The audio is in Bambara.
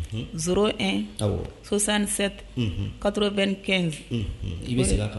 Unhun 01 awɔ 67 unhun 95 unhuuun i be seg'a kan